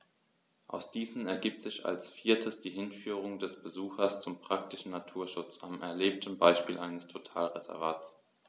Aus diesen ergibt sich als viertes die Hinführung des Besuchers zum praktischen Naturschutz am erlebten Beispiel eines Totalreservats.